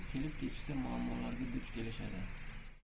kelib ketishda muammolarga duch kelishadi